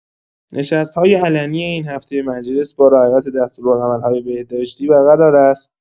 نشست‌های علنی این هفته مجلس با رعایت دستورالعمل‌های بهداشتی برقرار است.